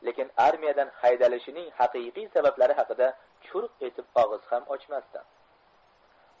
lekin armiyadan haydalishining haqiqiy sabablari haqida churq etib og'iz ochmasdi